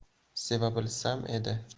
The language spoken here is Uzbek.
seva bilsam edi